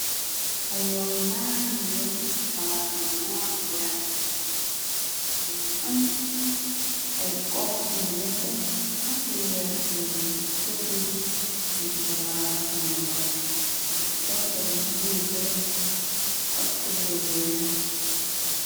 Ay waxu'mbani yu nèkka ci palas bu naat werta mu ngi am ay kopp yu neteh ak yu werta yu nèkka ci suuf nidi ko laal ak sééni loxo ñu ngi sol ay mbubu yu bula ak tubay yu wèèx .